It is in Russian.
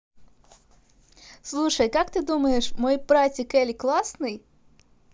слушай как ты думаешь мой братик эль классный